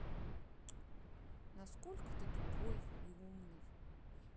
на сколько ты тупой и умный